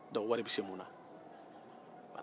dɔnku wari bɛ se mun na